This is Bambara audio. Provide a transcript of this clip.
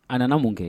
A nana mun kɛ